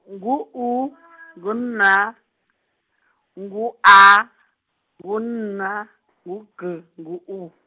ngu U, ngu N, ngu A, ngu N, ngu G, ngu U.